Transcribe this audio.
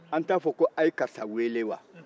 an t'a fɔ ko a ye karaisa weele wa